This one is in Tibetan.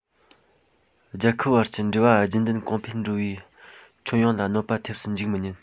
རྒྱལ ཁབ བར གྱི འབྲེལ བ རྒྱུན ལྡན གོང འཕེལ འགྲོ བའི ཁྱོན ཡོངས ལ གནོད པ ཐེབས སུ འཇུག མི ཉན